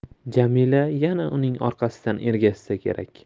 jamila yana uning orqasidan ergashsa kerak